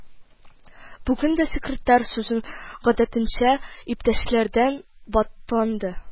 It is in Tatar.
Бүген дә секретарь сүзен гадәтенчә «Иптәшләр»дән бантлады: